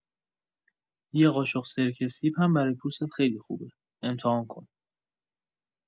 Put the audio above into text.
یه قاشق سرکه سیب هم برای پوستت خیلی خوبه، امتحان کن!